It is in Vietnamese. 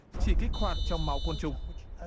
chỉ kích hoạt trong máu côn trùng